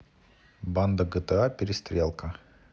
банда гта перестрелка